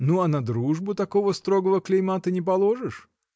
Ну а на дружбу такого строгого клейма ты не положишь?